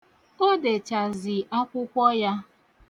O dechazi akwụkwọ ya.